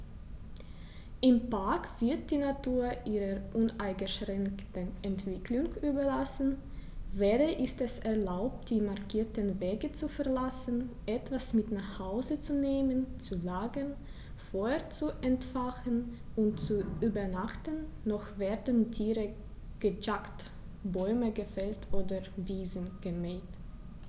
Im Park wird die Natur ihrer uneingeschränkten Entwicklung überlassen; weder ist es erlaubt, die markierten Wege zu verlassen, etwas mit nach Hause zu nehmen, zu lagern, Feuer zu entfachen und zu übernachten, noch werden Tiere gejagt, Bäume gefällt oder Wiesen gemäht.